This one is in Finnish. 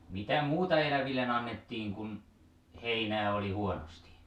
mitä muuta eläville annettiin kuin heinää oli huonosti